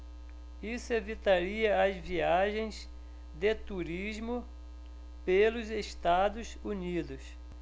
isso evitaria as viagens de turismo pelos estados unidos